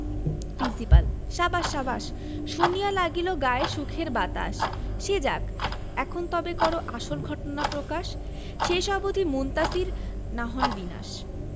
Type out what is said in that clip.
principal সাবাস সাবাস শুনিয়া লাগিল গায়ে সুখের বাতাস সে যাক এখন তবে করো আসল ঘটনা প্রকাশ শেষ অবধি মুনতাসীর না হন বিনাশ